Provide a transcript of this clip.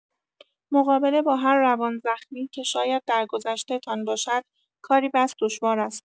مقابله با هر روانزخمی که شاید در گذشته‌تان باشد کاری بس دشوار است.